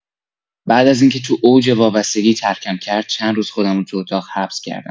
بعد از اینکه تو اوج وابستگی، ترکم کرد، چندروز خودمو تو اتاق حبس کردم.